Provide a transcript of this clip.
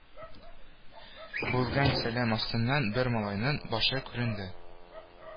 Куелган салам астыннан бер малайның башы күренде